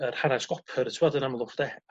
yr hanas gopr t'wod yn Amlwch de